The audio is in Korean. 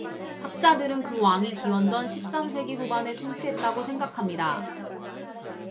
학자들은 그 왕이 기원전 십 삼 세기 후반에 통치했다고 생각합니다